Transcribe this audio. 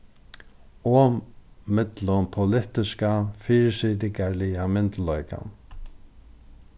og millum politiska fyrisitingarliga myndugleikan